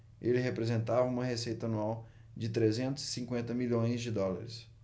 ele representava uma receita anual de trezentos e cinquenta milhões de dólares